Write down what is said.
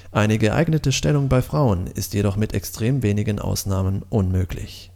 Eine geeignete Stellung bei Frauen ist jedoch mit extrem wenigen Ausnahmen unmöglich